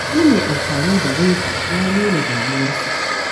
Wani mai amfani da Weibo ya nuna damuwarsa: